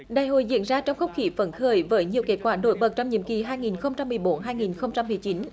đại hội diễn ra trong không khí phấn khởi bởi nhiều kết quả nổi bật trong nhiệm kỳ hai nghìn không trăm mười bốn hai nghìn không trăm mười chín